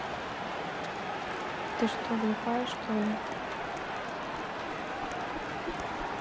ты что глухая что ли